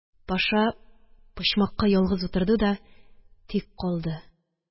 Паша почмакка ялгыз утырды да тик калды